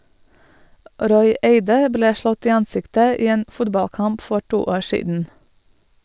Roy Eide ble slått i ansiktet i en fotballkamp for to år siden.